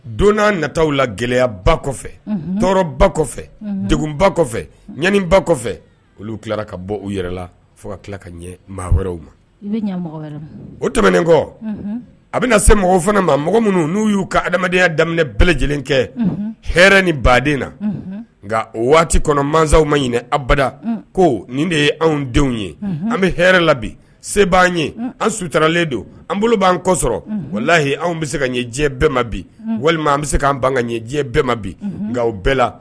Don nataw la gɛlɛyaba kɔfɛ tɔɔrɔba kɔfɛ degba kɔfɛ ɲaniba kɔfɛ olu tila ka bɔ u yɛrɛ la fo ka tila ka ɲɛ wɛrɛw ma o tɛmɛnen kɔ a bɛna na se mɔgɔ fana ma mɔgɔ minnu n'u y'u ka adamadenyaya daminɛ bɛɛlɛ lajɛlen kɛ hɛ ni baden na nka o waati kɔnɔ masaw ma ɲinin abada ko nin de ye anw denw ye an bɛ la bi se b' anan ye an sutalen don an bolo b'an kɔsɔ wala layi anw bɛ se ka ɲɛ diɲɛ bɛɛ ma bi walima an bɛ se'an bange ɲɛ diɲɛ bɛɛ ma bi nka bɛɛ la